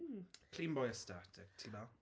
Mm. Clean boy aesthetic, ti'n meddwl?